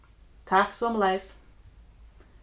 takk somuleiðis